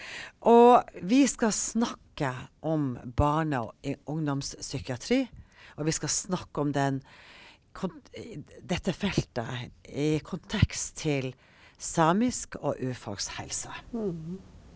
og vi skal snakke om barne- og ungdomspsykiatri, og vi skal snakke om den dette feltet i kontekst til samisk- og urfolkshelse.